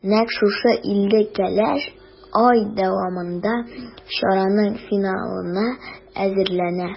Нәкъ шушы илле кәләш ай дәвамында чараның финалына әзерләнә.